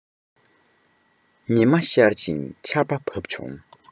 ཉི མ ཤར ཞིང ཆར བ བབས བྱུང